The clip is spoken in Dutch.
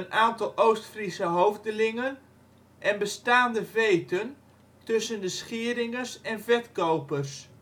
aantal Oostfriese hoofdelingen en bestaande veten tussen de Schieringers en Vetkopers